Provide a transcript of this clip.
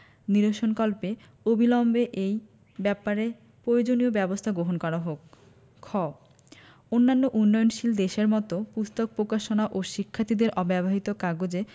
নিরসনকল্পে অবিলম্বে এই ব্যাপারে প্রয়োজনীয় ব্যাবস্থা গ্রহণ করা হোক খ অন্যান্য উন্নয়নশীল দেশের মত পুস্তক প্রকাশনা ও শিক্ষার্থীদের ব্যবহৃত কাগজে